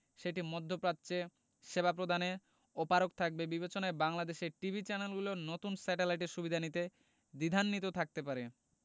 সেটি মধ্যপ্রাচ্যে সেবা প্রদানে অপারগ থাকবে বিবেচনায় বাংলাদেশের টিভি চ্যানেলগুলো নতুন স্যাটেলাইটের সুবিধা নিতে দ্বিধান্বিত থাকতে পারে